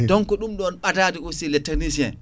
donc ɗum ɗon aussi les techniciens